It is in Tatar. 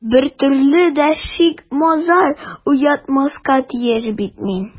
Бер төрле дә шик-мазар уятмаска тиеш бит мин...